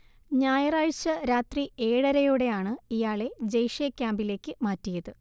ഞായറാഴ്ച രാത്രി ഏഴരയോടെയാണ് ഇയാളെ ജെയ്ഷെ ക്യാമ്പിലേക്ക് മാറ്റിയത്